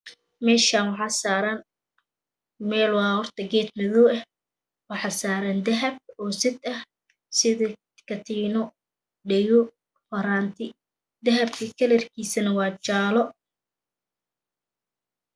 Meeshaan waxaa saraan meel waaye horta geed madoow eh waxaa saran dahab oo sad ah sida katiino dhago faraanti dahabka kalarkiisana waa jaalo